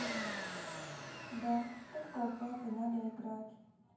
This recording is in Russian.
да только у папы надо играть